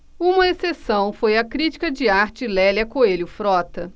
uma exceção foi a crítica de arte lélia coelho frota